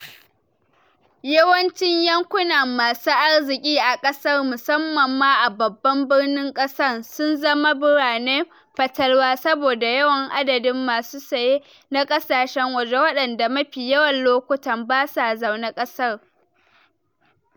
Yawancin yankuna masu arziki a kasar - musamman ma a babban birnin kasar - sun zama "biranen fatalwa" saboda yawan adadin masu saya na kasashen waje waɗanda mafi yawan lokutan basa zaune kasar.